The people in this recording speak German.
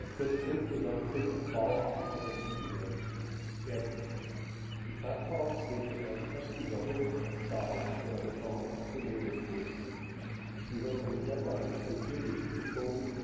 können insgesamt fünf Bauarten unterschieden werden: Die Plattform steht mit einem festen Sockel aus Stahl oder Beton auf dem Meeresboden. Sie wird von Schleppern zum Zielgebiet gezogen